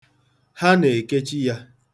Ha na-ekechi ya.